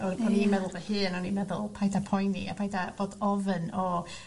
..a o- o'n... Ia. ...i'n meddwl fy hun o'n i'n meddwl paid a poeni a paid â bod ofyn o